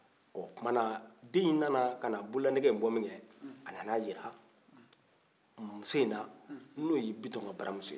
ɔ o tuma na den in nana ka na bolola nɛgɛ in bɔ min kɛ a nana a jira muso in na n'o ye bitɔn ka baramuso ye